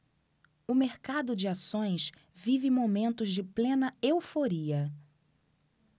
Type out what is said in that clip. o mercado de ações vive momentos de plena euforia